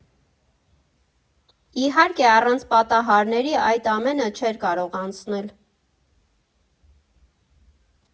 Իհարկե, առանց պատահարների այդ ամենը չէր կարող անցնել։